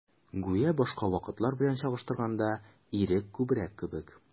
Гүя башка вакытлар белән чагыштырганда, ирек күбрәк кебек.